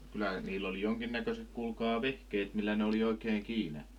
kyllä niillä oli jonkinnäköiset kuulkaa vehkeet millä ne oli oikein kiinni